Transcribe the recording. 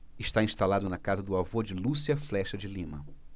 está instalado na casa do avô de lúcia flexa de lima